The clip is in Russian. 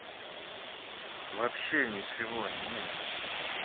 вообще ничего не